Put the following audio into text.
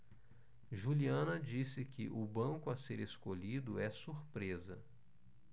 juliana disse que o banco a ser escolhido é surpresa